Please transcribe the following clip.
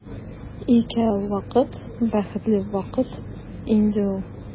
Икәү вакыт бәхетле вакыт инде ул.